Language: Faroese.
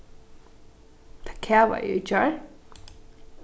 tað kavaði í gjár